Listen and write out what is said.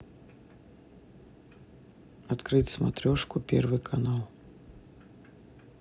открыть смотрешку первый канал